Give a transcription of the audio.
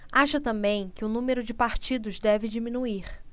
acha também que o número de partidos deve diminuir